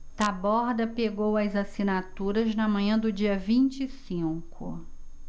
taborda pegou as assinaturas na manhã do dia vinte e cinco